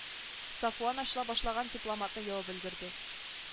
Сафуан ачыла башлаган дипломатны ябып өлгерде